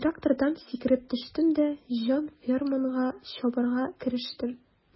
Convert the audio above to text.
Мин трактордан сикереп төштем дә җан-фәрманга чабарга керештем.